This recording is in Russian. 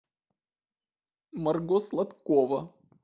марго сладкова